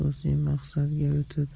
oyim asosiy maqsadga o'tib